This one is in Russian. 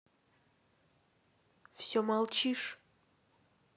все молчишь